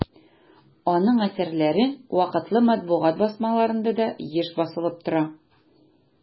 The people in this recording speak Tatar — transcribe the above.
Аның әсәрләре вакытлы матбугат басмаларында да еш басылып тора.